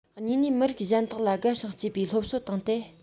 གཉིས ནས མི རིགས གཞན དག ལ དགའ ཞིང གཅེས པའི སློབ གསོ བཏང སྟེ